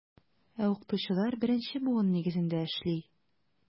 Ә укытучылар беренче буын нигезендә эшли.